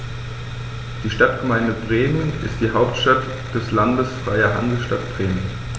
Die Stadtgemeinde Bremen ist die Hauptstadt des Landes Freie Hansestadt Bremen.